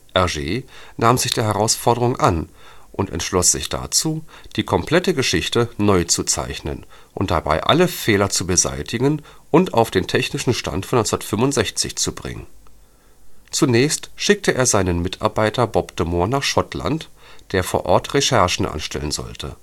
Hergé nahm sich der Herausforderung an und entschloss sich dazu, die komplette Geschichte neu zu zeichnen und dabei alle Fehler zu beseitigen und auf den technischen Stand von 1965 zu bringen. Zunächst schickte er seinen Mitarbeiter Bob de Moor nach Schottland, der vor Ort Recherchen anstellen sollte